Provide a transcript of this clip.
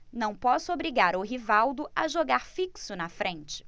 não posso obrigar o rivaldo a jogar fixo na frente